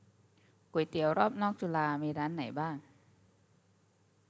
ก๋วยเตี๋ยวรอบนอกจุฬามีร้านไหนบ้าง